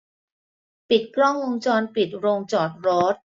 ปิดกล้องวงจรปิดโรงจอดรถ